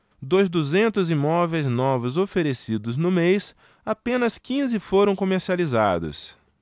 dos duzentos imóveis novos oferecidos no mês apenas quinze foram comercializados